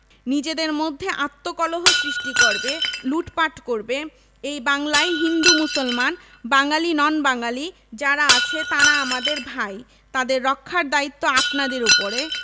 নিজেদের মধ্যে আত্মকলহ সৃষ্টি করবে লুটপাট করবে এই বাংলায় হিন্দু মুসলমান বাঙ্গালী নন বাঙ্গালী যারা আছে তারা আমাদের ভাই তাদের রক্ষার দায়িত্ব আপনাদের উপরে